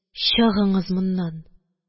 Чыгыңыз моннан.